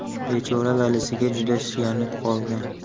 bechora valisiga juda suyanib qolgan